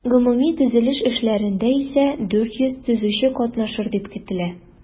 Гомуми төзелеш эшләрендә исә 400 төзүче катнашыр дип көтелә.